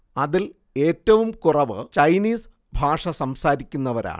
അതിൽ ഏറ്റവും കുറവ് ചൈനീസ് ഭാഷ സംസാരിക്കുന്നവരാണ്